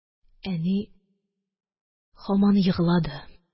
Әни һаман еглады